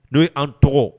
N'o y'an tɔgɔ